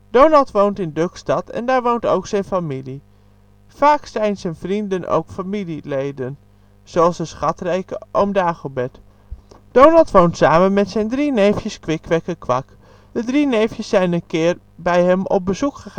Donald woont in Duckstad en daar woont ook zijn familie. Vaak zijn z 'n vrienden ook familieleden, zoals de schatrijke Oom Dagobert. Donald woont samen met zijn drie neefjes Kwik, Kwek en Kwak. De drie neefjes zijn een keer bij hem op bezoek